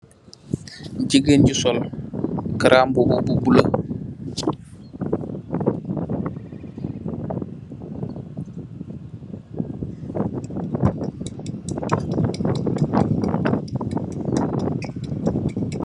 Gigeen ju sol garambubu bu bula.